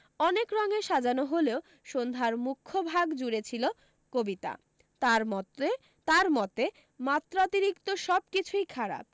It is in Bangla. অনেক রঙে সাজানো হলেও সন্ধ্যার মুখ্য ভাগ জুড়ে ছিল কবিতা তার মতরে তার মতে মাত্রাতীরিক্ত সব কিছুই খারাপ